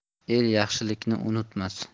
el yaxshilikni unutmas